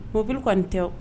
Mobili kɔni nin tɛ